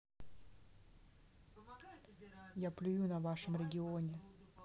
я плюю на вашем регионе